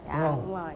dạ đúng rồi